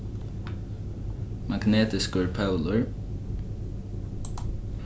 magnetiskur pólur